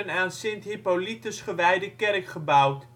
aan Sint-Hippolytus gewijde kerk gebouwd